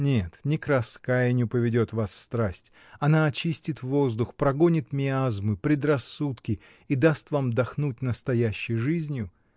— Нет, не к раскаянию поведет вас страсть: она очистит воздух, прогонит миазмы, предрассудки и даст вам дохнуть настоящей жизнью.